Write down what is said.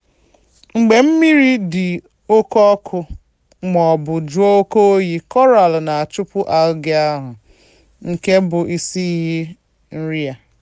Mgbe mmiri dị oke ọkụ (mọọbụ jụọ oke oyi), Koraalụ na-achụpụ Algae ahụ — nke bụ isi iyi nri ya.